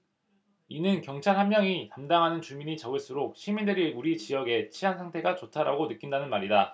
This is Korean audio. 이는 경찰 한 명이 담당하는 주민이 적을수록 시민들이 우리 지역의 치안 상태가 좋다라고 느낀다는 말이다